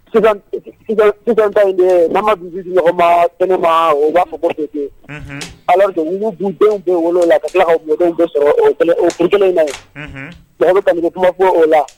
In mama dun ma kɛnɛma mɔgɔ ala don muguugu dundenw bɛ wolo la ka taa na ka kuma bɔ o la